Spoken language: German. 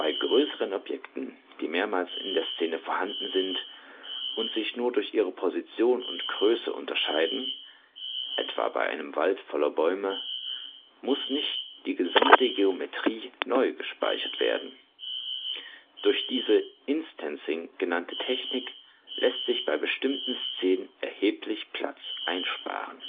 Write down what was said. größeren Objekten, die mehrmals in der Szene vorhanden sind und sich nur durch ihre Position und Größe unterscheiden (etwa bei einem Wald voller Bäume), muss nicht die gesamte Geometrie neu gespeichert werden. Durch diese Instancing genannte Technik lässt sich bei bestimmten Szenen erheblich Platz einsparen